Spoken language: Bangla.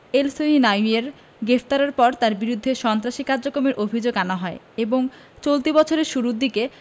এলসহিনাউয়ির গ্রেপ্তারের পর তাঁর বিরুদ্ধে সন্ত্রাসী কার্যক্রমের অভিযোগ আনা হয় এবং চলতি বছরের শুরুর দিকে